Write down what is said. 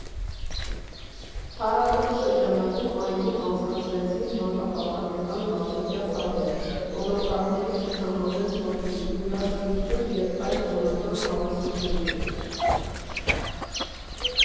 Փառատոնի շրջանակում այգում անցկացվեցին մանկապատանեկան բացօթյա խաղեր, տոնածառների ցուցահանդես֊մրցույթ, հյուրասիրություն և այլ տոնական հավեսություններ։